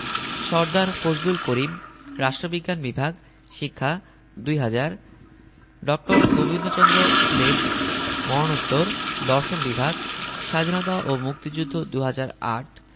সরদার ফজলুল করিম রাষ্ট্রবিজ্ঞান বিভাগ শিক্ষা ২০০০ ড. গোবিন্দচন্দ্র দেব মরনোত্তর দর্শন বিভাগ স্বাধীনতা ও মুক্তিযুদ্ধ ২০০৮